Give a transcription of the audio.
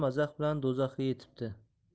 mazax bilan do'zaxga yetibdi